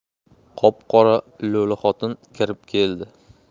qop qora lo'li xotin kirib keldi